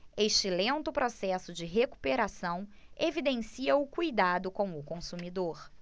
este lento processo de recuperação evidencia o cuidado com o consumidor